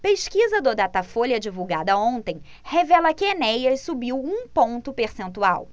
pesquisa do datafolha divulgada ontem revela que enéas subiu um ponto percentual